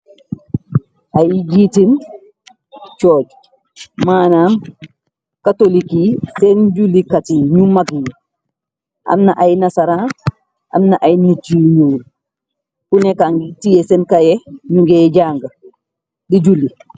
Ay jiiti church maanam katolik yi seen julikatyi ñu mag yi. Amna ay nasaran, amna ay nit yu ñuul kunek ka ngi tiye seen kaye ñu nge jàng di julli.